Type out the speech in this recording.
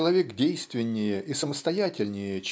человек действеннее и самостоятельнее